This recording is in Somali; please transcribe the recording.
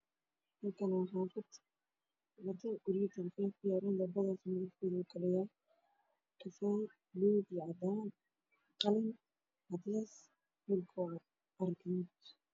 Halkaan waa xaafad guryo dabaqyo ku yaaliin dabaqya daas midabadooda kala yihiin kafay baluug iyo cadaan qalin cadays dhulka waa carro gaduud